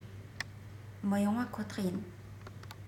མི ཡོང བ ཁོ ཐག ཡིན